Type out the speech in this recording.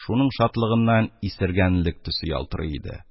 Шуның шатлыгыннан исергәнлек төсе ялтырый иде.